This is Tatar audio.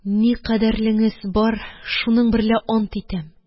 Ни кадерлеңез бар, шуның берлә ант итәм